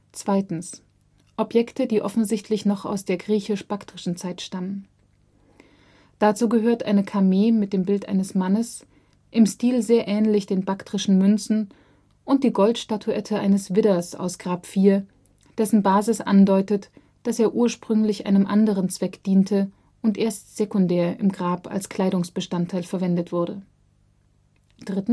2. Objekte, die offensichtlich noch aus der griechisch-baktrischen Zeit stammen. Dazu gehört eine Kamee mit dem Bild eines Mannes, im Stil sehr ähnlich den baktrischen Münzen und die Goldstatuette eines Widders aus Grab 4, dessen Basis andeutet, dass er ursprünglich einem anderen Zweck diente und erst sekundär im Grab als Kleidungsbestandteil verwendet wurde. 3. Der